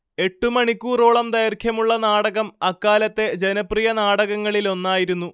എട്ടുമണിക്കൂറോളം ദൈർഘ്യമുള്ള നാടകം അക്കാലത്തെ ജനപ്രിയ നാടകങ്ങളിലൊന്നായിരുന്നു